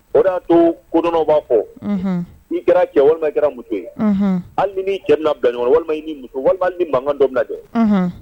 O y'a to kodɔnnaw b'a fɔ; Unhun. I kɛra cɛ walima i kɛra muso ye; Unhun; Hali ni i cɛ bɛna bila ɲɔgɔn na walima i ni muso, walima hali ni mankan dɔ bɛna bɛ.